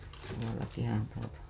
tuollakinhan tuota